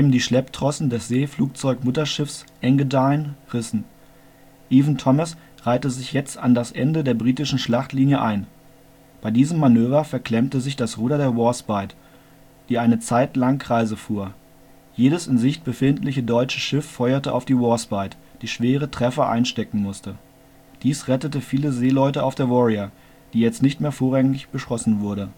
die Schlepptrossen des Seeflugzeugmutterschiffs Engadine rissen. Evan-Thomas reihte sich jetzt an das Ende der britischen Schlachtlinie ein. Bei diesem Manöver verklemmte sich das Ruder der Warspite, die eine Zeit lang Kreise fuhr. Jedes in Sicht befindliche deutsche Schiff feuerte auf die Warspite, die schwere Treffer einstecken musste. Dies rettete viele Seeleute auf der Warrior, die jetzt nicht mehr vorrangig beschossen wurde